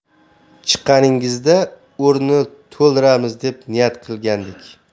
chiqqaningizda o'rnini to'ldiramiz deb niyat qilgandik